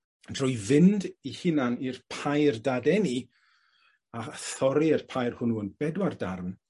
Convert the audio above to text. trwy fynd 'i hunain i'r pair dadeni, a a thorri'r pair hwnnw yn bedwar darn